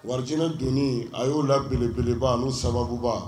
Wa Alijinɛ don ni , a yo la belebeleba no sababuba.